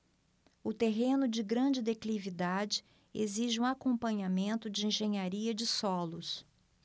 o terreno de grande declividade exige um acompanhamento de engenharia de solos